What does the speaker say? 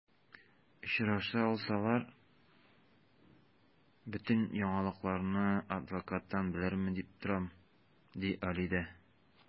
Очраша алсалар, бөтен яңалыкларны адвокаттан белермен дип торам, ди Алидә.